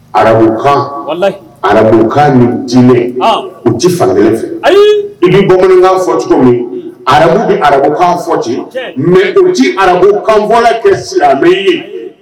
Arabukan arabukan diinɛ u ci fan fɛ i bɛ bamanankan fɔ cogo min arabu bɛ arabukan fɔ ci mɛ ci arabukanfɔla kɛ sira bɛ ye